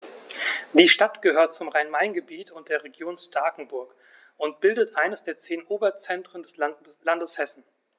Die Stadt gehört zum Rhein-Main-Gebiet und der Region Starkenburg und bildet eines der zehn Oberzentren des Landes Hessen.